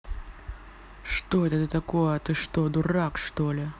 что это ты такое ты что дурак что ли